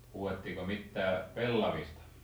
huudettiinko mitään pellavista